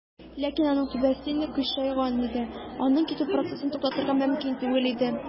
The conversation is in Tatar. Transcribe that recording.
Ләкин аның түбәсе инде "кыйшайган" иде, аның китү процессын туктатырга мөмкин түгел иде.